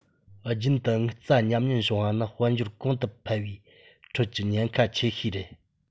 རྒྱུན དུ དངུལ རྩ ཉམས ཉེན བྱུང བ ནི དཔལ འབྱོར གོང དུ འཕེལ བའི ཁྲོད ཀྱི ཉེན ཁ ཆེ ཤོས རེད